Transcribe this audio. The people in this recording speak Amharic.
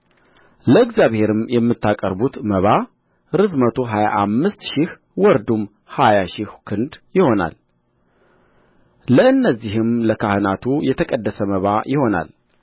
ለእግዚአብሔር የምታቀርቡት መባ ርዝመቱ ሃያ አምስት ሺህ ወርዱም ሃያ ሺህ ክንድ ይሆናል ለእነዚህም ለካህናቱ የተቀደሰ መባ ይሆናል